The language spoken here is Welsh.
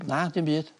Na dim byd.